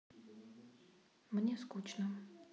мне скучно